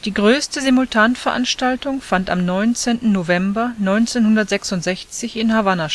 größte Simultanveranstaltung fand am 19. November 1966 in Havanna